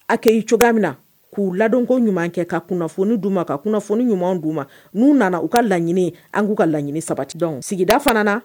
A kɛn ye cogoya min na k'u ladonko ɲuman kɛ ka kunnafoni d u ma ka kunnafoni ɲumanw d'u ma n'u nana u ka laɲini an k'u ka laɲini sabati donc sigida fana na